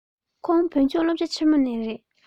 བོད ལྗོངས སློབ གྲྭ ཆེན མོ ནས རེད